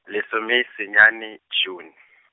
lesome senyane June .